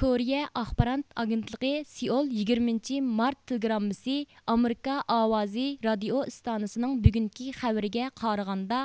كورىيە ئاخبارات ئاگېنتلىقى سېئول يىگىرمىنچى مارت تېلېگراممىسى ئامېرىكا ئاۋازى رادىئو ئىستانسىسىنىڭ بۈگۈنكى خەۋىرىگە قارىغاندا